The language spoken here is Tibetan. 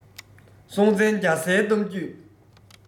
སྲོང བཙན རྒྱ བཟའི གཏམ རྒྱུད